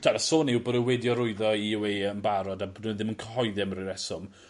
t'wod y sôn yw bod e wedi arwyddo i You Ay Ee yn barod a bod n'w ddim yn cyhoeddi am ryw reswm.